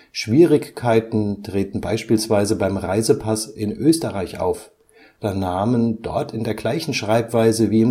Schwierigkeiten treten beispielsweise beim Reisepass in Österreich auf, da Namen dort in der gleichen Schreibweise wie